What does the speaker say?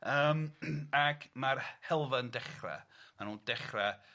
Yym ac ma'r helfa'n dechra ma' nw'n dechra